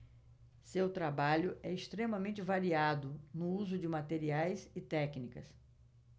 seu trabalho é extremamente variado no uso de materiais e técnicas